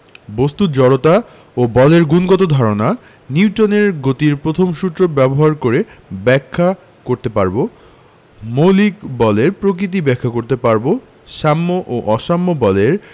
বস্তুর জড়তা ও বলের গুণগত ধারণা নিউটনের গতির প্রথম সূত্র ব্যবহার করে ব্যাখ্যা করতে পারব মৌলিক বলের প্রকৃতি ব্যাখ্যা করতে পারব সাম্য ও অসাম্য বলের